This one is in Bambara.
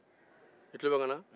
i tulo bɛ n kan na